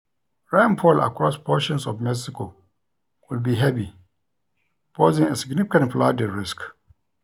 Rainfall across portions of Mexico could be heavy, posing a significant flooding risk.